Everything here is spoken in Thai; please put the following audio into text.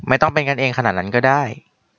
ไม่ต้องเป็นกันเองขนาดนั้นก็ได้